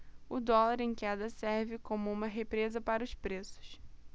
o dólar em queda serve como uma represa para os preços